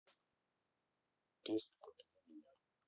песня победи меня